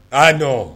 A don